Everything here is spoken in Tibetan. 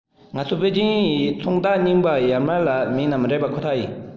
ང ཚོས པེ ཅིན གྱི ཚོང རྟགས རྙིང པ ནས ཡར མར ལ མེད ན མི འགྲིག པ ཁོ ཐག ཡིན